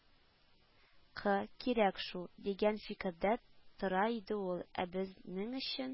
Кы» кирәк шул, дигән фикердә тора иде ул, ә безнең өчен